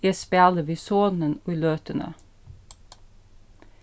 eg spæli við sonin í løtuni